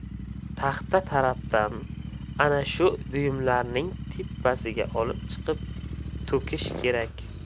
taxta trapdan ana shu uyumlarning tepasiga olib chiqib to'kish kerak